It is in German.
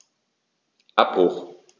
Abbruch.